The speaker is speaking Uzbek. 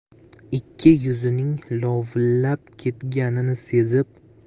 ikki yuzining lovillab ketganini sezib